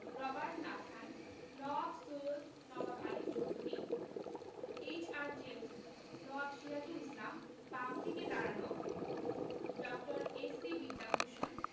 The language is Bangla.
Robert Nathan Nawab Syed Nawab Ali Chowdhury H R. James Nawab Sirajul Islam বাম থেকে দাঁড়ানো ড. এস.সি. বিদ্যাভূষণ